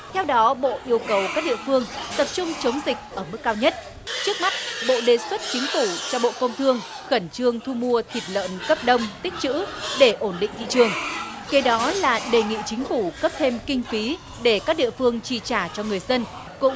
theo đó bộ yêu cầu các địa phương tập trung chống dịch ở mức cao nhất trước mắt bộ đề xuất chính phủ cho bộ công thương khẩn trương thu mua thịt lợn cấp đông tích trữ để ổn định thị trường kế đó là đề nghị chính phủ cấp thêm kinh phí để các địa phương chi trả cho người dân cũng